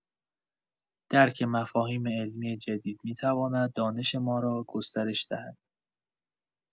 درک مفاهیم علمی جدید می‌تواند دانش ما را گسترش دهد.